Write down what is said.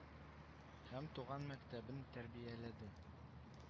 Һәм туган мәктәбем тәрбияләде